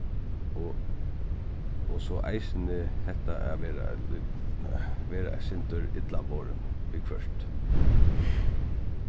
og og so eisini hetta at vera vera eitt sindur illavorðin viðhvørt